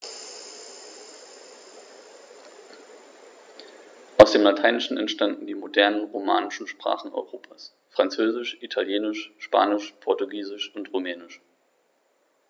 Aus dem Lateinischen entstanden die modernen „romanischen“ Sprachen Europas: Französisch, Italienisch, Spanisch, Portugiesisch und Rumänisch.